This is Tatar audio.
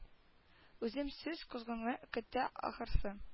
Үзем сүз кузганны көтә ахрысы